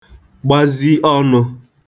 gbazi ọnụ̄